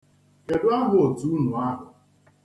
Kedụ aha otu unu ahụ?